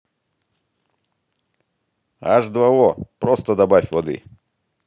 аш два о просто добавь воды